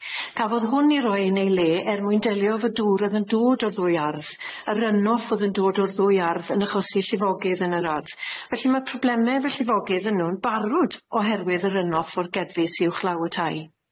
Cafodd hwn ei roi yn ei le er mwyn delio efo dŵr oedd yn dod o'r ddwy ardd, yr run off oedd yn dod o'r ddwy ardd yn achosi llifogydd yn yr ardd, felly mae probleme efo'r llifogydd yno yn barod oherwydd y runoff o'r gerddi sy uwchlaw y tai.